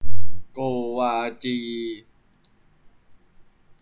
โกวาจี